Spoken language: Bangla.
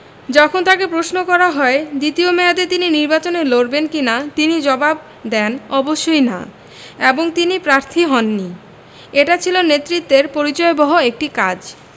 যখন তাঁকে প্রশ্ন করা হয় দ্বিতীয় মেয়াদে তিনি নির্বাচনে লড়বেন কি না তিনি জবাব দেন অবশ্যই না এবং তিনি প্রার্থী হননি এটা ছিল নেতৃত্বের পরিচয়বহ একটি কাজ